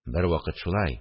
Бервакыт шулай